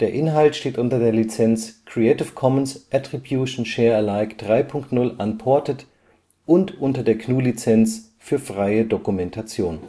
Inhalt steht unter der Lizenz Creative Commons Attribution Share Alike 3 Punkt 0 Unported und unter der GNU Lizenz für freie Dokumentation